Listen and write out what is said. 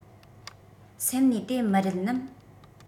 སེམས ནས དེ མི རེད ནམ